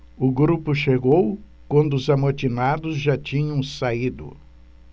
o grupo chegou quando os amotinados já tinham saído